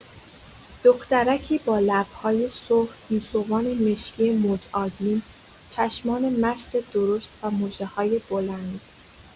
دخترکی با لب‌های سرخ، گیسوان مشکی موج‌آگین، چشمان مست درشت و مژه‌های بلند.